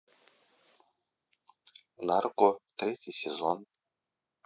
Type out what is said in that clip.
нарко третий сезон